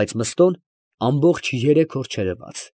Բայց Մըստոն ամբողջ երեք օր չերևաց։